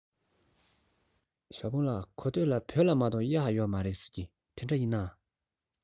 ཞའོ ཧྥུང ལགས གོ ཐོས ལ བོད ལྗོངས མ གཏོགས གཡག ཡོད མ རེད ཟེར གྱིས དེ འདྲ ཡིན ན